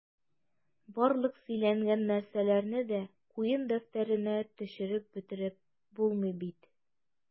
Барлык сөйләнгән нәрсәләрне дә куен дәфтәренә төшереп бетереп булмый бит...